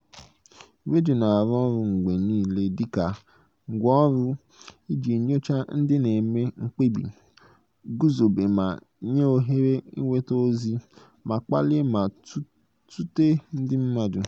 Redio na-arụ ọrụ mgbe niile dị ka ngwaọrụ iji nyochaa ndị na-eme mkpebi, gụzọbe ma nye ohere ịnweta ozi, ma kpalie ma tụtee ndị mmadụ.